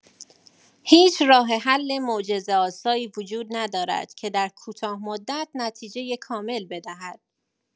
هیچ راه‌حل معجزه‌آسایی وجود ندارد که در کوتاه‌مدت نتیجه کامل بدهد.